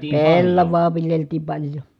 pellavaa viljeltiin paljon